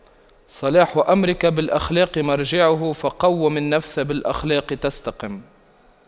صلاح أمرك بالأخلاق مرجعه فَقَوِّم النفس بالأخلاق تستقم